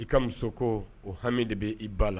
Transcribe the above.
I ka muso ko o hami de be i ba la